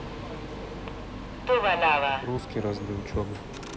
русский раз для учебы